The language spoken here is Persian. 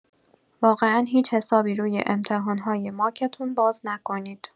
واقعا هیچ حسابی روی امتحان‌های ماکتون باز نکنید